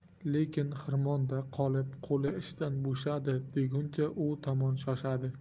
lekin xirmonda qolib qo'li ishdan bo'shadi deguncha u tomon shoshadi